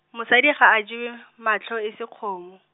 mosadi ga a jewe, matlho e se kgomo.